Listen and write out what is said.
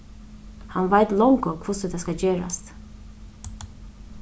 hann veit longu hvussu tað skal gerast